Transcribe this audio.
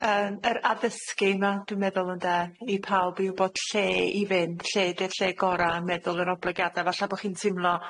Yym yr addysgu 'ma dwi'n meddwl, ynde, i pawb i wbod lle i fynd, lle 'di'r lle gora yn meddwl yr oblygiada. Falla bo' chi'n timlo,